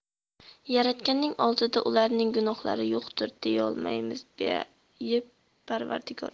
yaratganning oldida ularning gunohlari yo'qdir deyolmaymiz beayb parvardigor